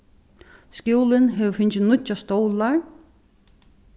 skúlin hevur fingið nýggjar stólar